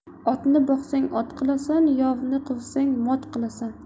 otni boqsang ot qilasan yovni quvsang mot qilasan